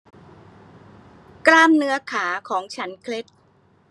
กล้ามเนื้อขาของฉันเคล็ด